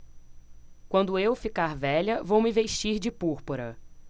quando eu ficar velha vou me vestir de púrpura